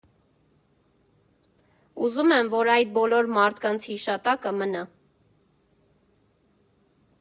«Ուզում եմ, որ այդ բոլոր մարդկանց հիշատակը մնա։